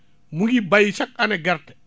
mu ngi bay chaque année gerte